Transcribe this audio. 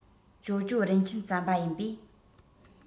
ཇོ ཇོ རིན ཆེན རྩམ པ ཡིན པས